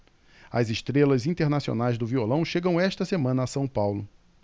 as estrelas internacionais do violão chegam esta semana a são paulo